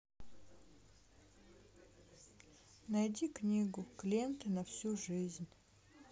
найди книгу клиенты на всю жизнь